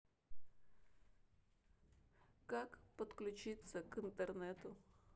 как подключиться к интернету